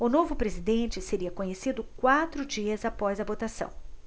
o novo presidente seria conhecido quatro dias após a votação